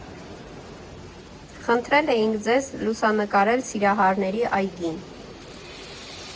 Խնդրել էինք ձեզ լուսանկարել Սիրահարների այգին.